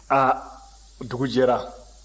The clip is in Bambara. a dugu jɛra